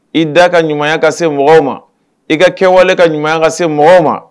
I da ka ɲuman ka se mɔgɔw ma i ka kɛwale ka ɲuman ka se mɔgɔw ma